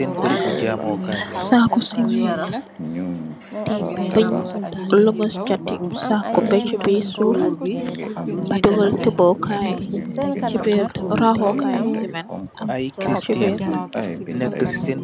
Sako cement bun lomos sati saku bi si birr suuf dugal tebu kai si birr rahu kai cement di birr.